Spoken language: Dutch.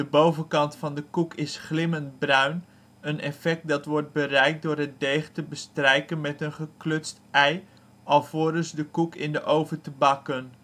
bovenkant van de koek is glimmend bruin, een effect dat wordt bereikt door het deeg te bestrijken met een geklutst ei alvorens de koek in de oven te bakken